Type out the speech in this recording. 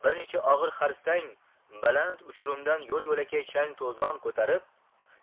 bir necha og'ir xarsang baland uchurumdan yo'l yo'lakay chang to'zon ko'tarib